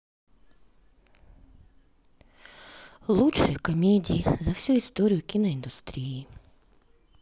лучшие комедии за всю историю киноиндустрии